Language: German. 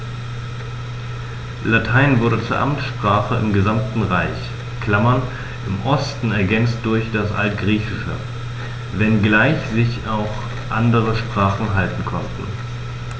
Latein wurde zur Amtssprache im gesamten Reich (im Osten ergänzt durch das Altgriechische), wenngleich sich auch andere Sprachen halten konnten.